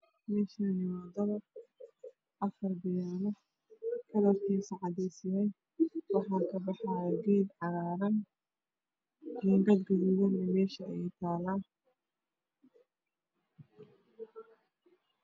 Meeshaan waa dabaq afar biyaano ah kalarkisu yahay cadaan waxaana ka baxayo geed wayn jiingad gaduudan meesha ayay taalaa